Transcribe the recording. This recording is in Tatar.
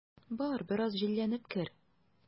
Бар, бераз җилләнеп кер.